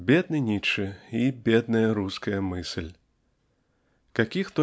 Бедный Ницше и бедная русская мысль! Каких